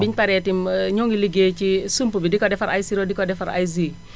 bi ñu paree itam ñoo ngi ligéey ci sump bi di ko defar ay sirop di ko defar ay jus